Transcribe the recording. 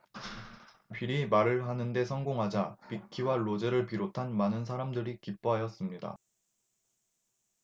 빌이 말을 하는 데 성공하자 빅키와 로즈를 비롯한 많은 사람들이 기뻐하였습니다